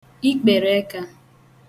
ikpèrèẹka